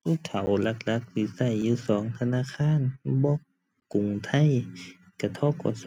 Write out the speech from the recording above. ผู้เฒ่าหลักหลักสิใช้อยู่สองธนาคาร บ่กรุงไทยใช้ ธ.ก.ส.